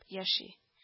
Яши